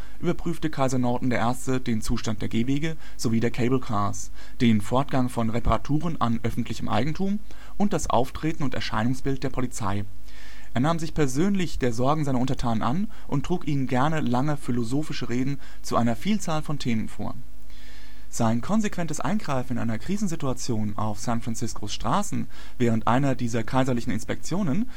Kaiser Norton I. den Zustand der Gehwege sowie der „ Cable Cars “, den Fortgang von Reparaturen an öffentlichem Eigentum und das Auftreten und Erscheinungsbild der Polizei. Er nahm sich persönlich der Sorgen seiner Untertanen an und trug ihnen gerne lange philosophische Reden zu einer Vielzahl von Themen vor. Sein konsequentes Eingreifen in einer Krisensituation auf San Franciscos Straßen während einer dieser Kaiserlichen Inspektionen